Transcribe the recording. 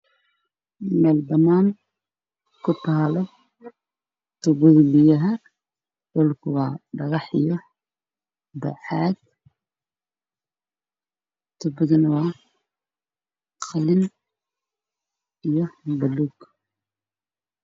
Waa tuubo biyo laga shubayaa midabkeedu yahay bluug